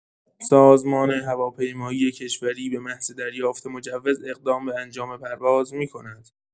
سازمان هواپیمایی کشوری به محض دریافت مجوز اقدام به انجام پرواز می‌کند.